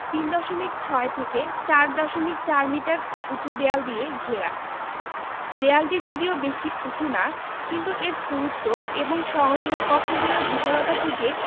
৩ দশমিক ৬ থেকে ৪ দশমিক ৪ মিটার উঁচু দেয়াল দিয়ে ঘেরা দেয়ালটি যদিও বেশি উঁচু না কিন্তু এর পুরুত্ব এবং সংলগ্ন কক্ষগুলোর বিশালতা থেকে